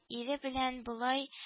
Ире белән болай